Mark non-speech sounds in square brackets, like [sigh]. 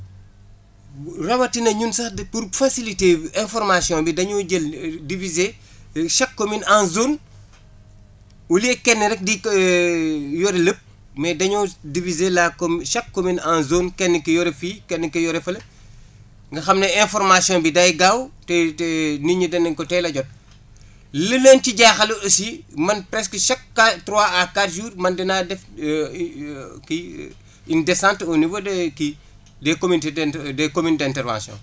rawatina ñun sax de pour faciliter information bi dañu koy jël diviser [breath] chaque commune en zone au lieu kenn rek di koy [hesitation] yore lépp mais dañoo diviser la communez chaque commune en zone kenn ki yore fii kenn ki yore fële [breath] nga xam ne information bi day gaaw te te te nit ñi danañ ko teel a jot li leen ci jaaxal aussi man presque chaque quatre trois à quatre jours man dinaa def [hesitation] kii une descente au niveau des kii des communautés d' inter des communes d' intervention